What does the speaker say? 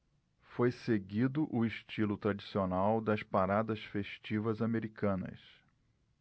foi seguido o estilo tradicional das paradas festivas americanas